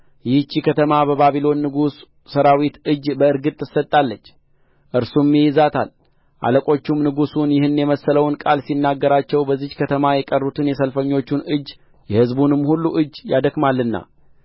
ይህች ከተማ በባቢሎን ንጉሥ ሠራዊት እጅ በእርግጥ ትሰጣለች እርሱም ይይዛታል አለቆቹም ንጉሡን ይህን የመሰለውን ቃል ሲነግራቸው በዚህች ከተማ የቀሩትን የሰልፈኞቹን እጅ የሕዝቡንም ሁሉ እጅ ያደክማልና